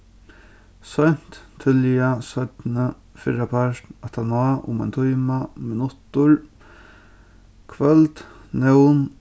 seint tíðliga seinni fyrrapart aftaná um ein tíma minuttur kvøld nón